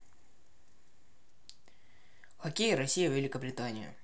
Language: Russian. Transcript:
хоккей россия великобритания